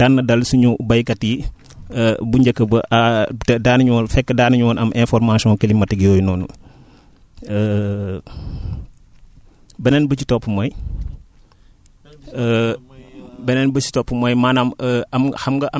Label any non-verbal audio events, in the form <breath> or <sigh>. loolu noonu jafe-jafe la boo xamante ne daal na dal suñu baykat yi <hesitation> bu njëkk ba <hesitation> te daanuñu woon fekk daanuñu woon am information climatique yooyu noonu <hesitation> <breath> beneen bi ci topp mooy <hesitation>